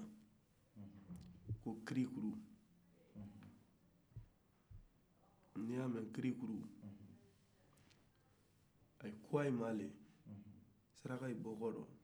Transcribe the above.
n'i y'a mɛn kiri kuru u k'u ma de sarakaw bɔlen kɔ